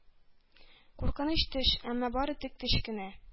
Куркыныч төш, әмма бары тик төш кенә!